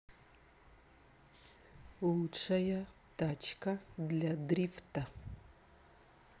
лучшая тачка для дрифта